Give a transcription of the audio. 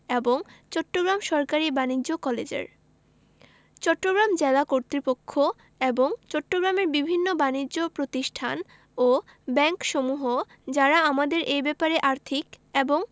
এবং চট্টগ্রাম সরকারি বাণিজ্য কলেজের চট্টগ্রাম জেলা কর্তৃপক্ষ এবং চট্টগ্রামের বিভিন্ন বানিজ্য প্রতিষ্ঠান ও ব্যাংকসমূহ যারা আমাদের এ ব্যাপারে আর্থিক এবং